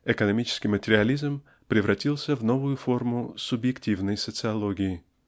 экономический материализм превратился в новую форму "субъективной социологии".